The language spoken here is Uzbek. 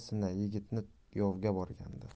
sina yigitni yovga borganda